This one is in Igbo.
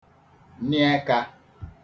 nị eka